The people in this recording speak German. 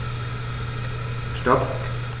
Stop.